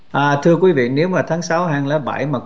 à thưa quý vị nếu mà tháng sáu hai lẻ bảy mà